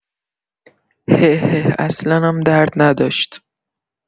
هه‌هه اصلنم درد نداشت!